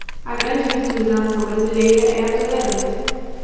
a grande virtude da nação brasileira é a tolerância